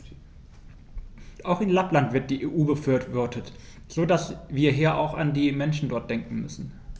Auch in Lappland wird die EU befürwortet, so dass wir hier auch an die Menschen dort denken müssen.